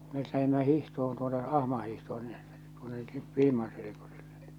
me lähdimme hiihtoon tuonne ahman hiihtoon sinne tuonne Vilman selkosille niin